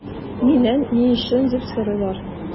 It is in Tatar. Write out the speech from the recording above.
Миннән “ни өчен” дип сорыйлар.